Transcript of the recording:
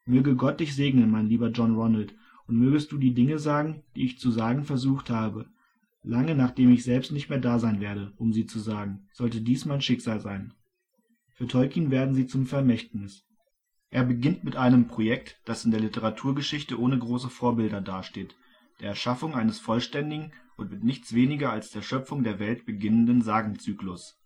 Möge Gott Dich segnen, mein lieber John Ronald, und mögest Du die Dinge sagen, die ich zu sagen versucht habe, lange nachdem ich selbst nicht mehr da sein werde, um sie zu sagen, sollte dies mein Schicksal sein. « Für Tolkien werden sie zum Vermächtnis. Er beginnt mit einem Projekt, das in der Literaturgeschichte ohne große Vorbilder dasteht, der Erschaffung eines vollständigen und mit nichts weniger als der Schöpfung der Welt beginnenden Sagenzyklus